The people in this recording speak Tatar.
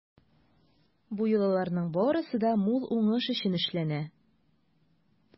Бу йолаларның барысы да мул уңыш өчен эшләнә.